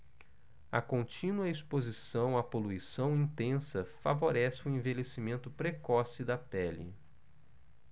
a contínua exposição à poluição intensa favorece o envelhecimento precoce da pele